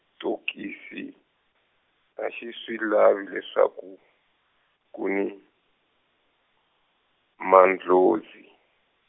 -tokisi a xi swi lavi leswaku ku ni, mandlhozi.